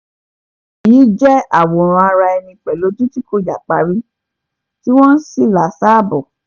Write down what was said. "[Èyí] jẹ́ àwòrán ara-ẹni pẹ̀lú ojú tí kò yà parí, tí wọ́n sì la ààbọ̀ yòókù, tí ó wá ń ṣàfihàn àwọn iṣan, àwọn asoṣanpọ̀méegun àti àwọn awọ inú.